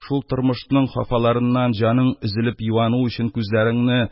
Шул тормышның хафаларыннан җаның өзелеп юану өчен күзләреңне